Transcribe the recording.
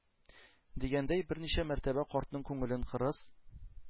Дигәндәй, берничә мәртәбә картның күңелен кырыс,